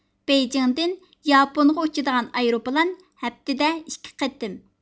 بېيجىڭدىن ياپونغا ئۇچىدىغان ئايروپىلان ھەپتىدە ئىككى قېتىم